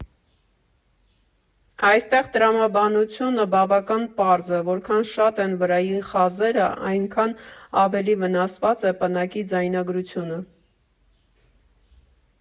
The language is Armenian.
Այստեղ տրամաբանությունը բավական պարզ է՝ որքան շատ են վրայի խազերը, այդքան ավելի վնասված է պնակի ձայնագրությունը։